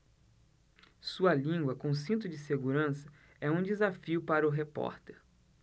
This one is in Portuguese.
sua língua com cinto de segurança é um desafio para o repórter